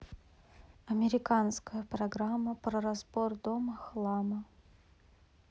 американская программа про разбор дома хлама